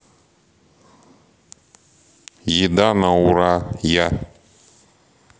еда на ура я